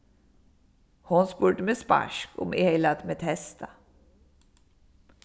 hon spurdi meg speisk um eg hevði latið meg testað